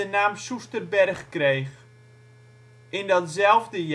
naam ' Soesterberg ' kreeg. In datzelfde